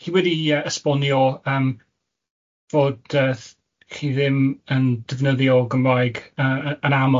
Chi wedi yy esbonio yym fod yy s- chi ddim yn defnyddio Gymraeg yy y- yn aml,